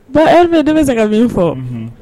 Bon e bɛ denmisɛn se ka min fɔ